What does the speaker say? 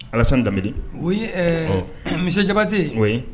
Alaz dabiri o ye misi jabate o yen